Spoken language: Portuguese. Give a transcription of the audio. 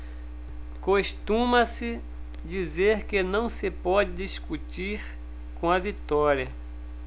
costuma-se dizer que não se pode discutir com a vitória